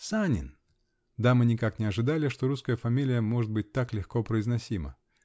Санин!" Дамы никак не ожидали, что русская фамилия может быть так легко произносима.